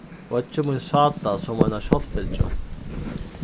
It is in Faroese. beiggi mín sá tað sum eina sjálvfylgju